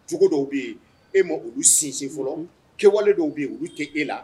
Jugu dɔw bɛ yen e ma olu sinsin fɔlɔ kɛwalelen dɔw bɛ yen u olu tɛ e la